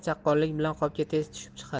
chaqqonlik bilan qopga tez tushibchiqadi